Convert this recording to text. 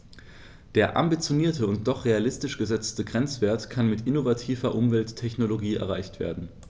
Der ambitionierte und doch realistisch gesetzte Grenzwert kann mit innovativer Umwelttechnologie erreicht werden.